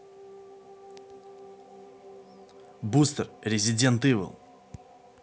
бустер резидент эвил